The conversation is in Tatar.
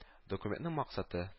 Документның максаты -